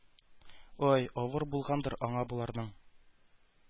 Ай, авыр булгандыр аңа боларның